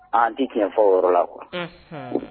An di tiɲɛ fɔ o yɔrɔ la quoi unhun